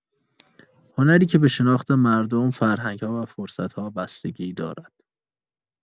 هنری که به شناخت مردم، فرهنگ‌ها و فرصت‌ها بستگی دارد.